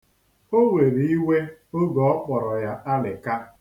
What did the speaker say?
O were iwe oge o kpọrọ ya alịka.